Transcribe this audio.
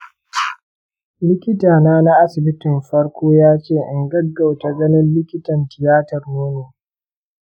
likitana na asibitin farko ya ce in gaggauta ganin likitan tiyatar nono.